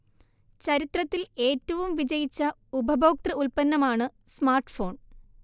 ചരിത്രത്തിൽ ഏറ്റവും വിജയിച്ച ഉപഭോക്തൃ ഉൽപന്നമാണ് സ്മാർട്ഫോൺ